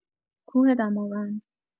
کوه دماوند